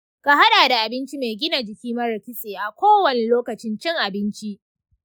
ka haɗa da abinci mai gina jiki maras kitse a kowane lokacin cin abinci.